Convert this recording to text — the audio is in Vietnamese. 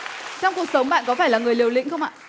trong cuộc sống bạn có phải là người liều lĩnh không ạ